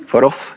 for oss.